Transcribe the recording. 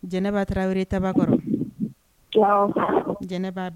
Jɛnɛba tarawele ta kɔrɔ jɛnɛ b'